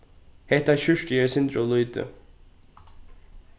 hetta skjúrtið er eitt sindur ov lítið